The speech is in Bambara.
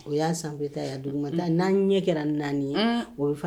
O y'a sanfɛ ta ye, a duguma ta n'a ɲɛ kɛra naani ye, unn